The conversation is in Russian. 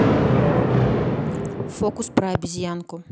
фокус про обезьянку